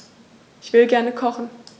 Ich will gerne kochen.